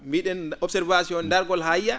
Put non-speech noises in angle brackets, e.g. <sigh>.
mbi?en observation <smacks lips> ndaargol haa yiya